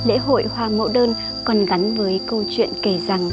lễ hội hoa mẫu đơn còn gắn với câu chuyện kể rằng